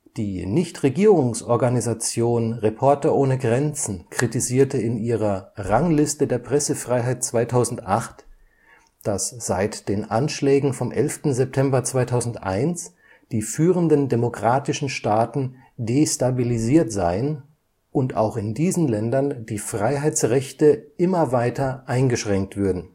Die Nichtregierungsorganisation (NGO) Reporter ohne Grenzen kritisierte in ihrer „ Rangliste der Pressefreiheit 2008 “, dass seit den Anschlägen vom 11. September 2001 die führenden demokratischen Staaten destabilisiert seien und auch in diesen Ländern die Freiheitsrechte immer weiter eingeschränkt würden